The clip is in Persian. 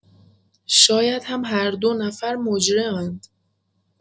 شاید هم هر دو نفر مجرم‌اند.